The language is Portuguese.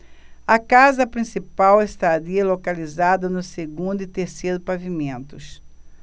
a casa principal estaria localizada no segundo e terceiro pavimentos